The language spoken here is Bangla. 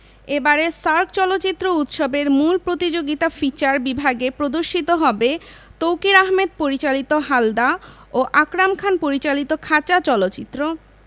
এবারের সার্ক চলচ্চিত্র উৎসবের মূল প্রতিযোগিতা ফিচার বিভাগে প্রদর্শিত হবে তৌকীর আহমেদ পরিচালিত হালদা ও আকরাম খান পরিচালিত খাঁচা চলচ্চিত্র